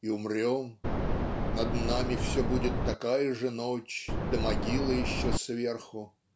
и умрем, над нами все будет такая же ночь, да могила еще сверху.